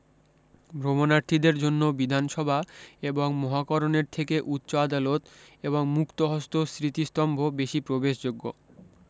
ভ্রমনার্থীদের জন্য বিধানসভা এবং মহাকরণের থেকে উচ্চ আদালত এবং মুক্ত হস্ত স্মৃতিস্তম্ভ বেশী প্রবেশযোগ্য